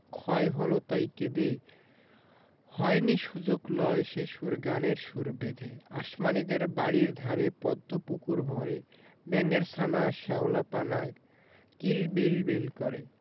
ক্ষয় হল তাই কেঁদে হয়নি সুযোগ লয় সে সুর গানের সুর বেঁধে আসমানীদের বাড়ির ধারে পদ্ম পুকুর ভরে ব্যাঙের ছানা শ্যাওলা পানা কিল বিল বিল করে